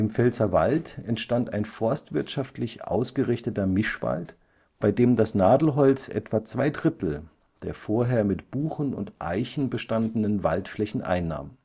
Pfälzerwald entstand ein forstwirtschaftlich ausgerichteter Mischwald, bei dem das Nadelholz etwa zwei Drittel der vorher mit Buchen und Eichen bestandenen Waldflächen einnahm